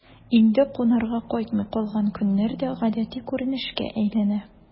Инде кунарга кайтмый калган көннәр дә гадәти күренешкә әйләнә...